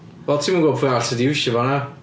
Wel ti'm yn gwbod pwy arall sy 'di iwsio fo na.